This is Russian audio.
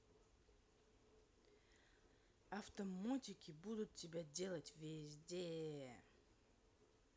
автомотики буду тебя делать везде